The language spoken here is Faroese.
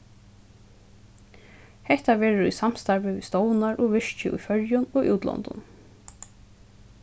hetta verður í samstarvi við stovnar og virki í føroyum og útlondum